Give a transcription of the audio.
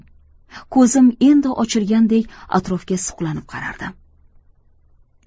ko'zim endi ochilgandek atrofga suqlanib qarardim